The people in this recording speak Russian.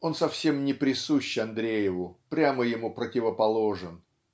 Он совсем не присущ Андрееву, прямо ему противоположен.